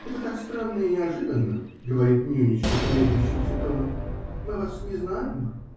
-- Это так странно и неожиданно, -- говорит "Нюничка" колеблющимся тоном, -- мы вас не знаем.